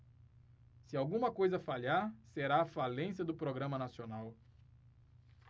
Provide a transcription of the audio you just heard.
se alguma coisa falhar será a falência do programa nacional